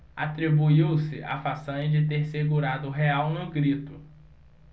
atribuiu-se a façanha de ter segurado o real no grito